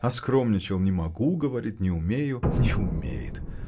а скромничал: Не могу, говорит, не умею! – не умеет!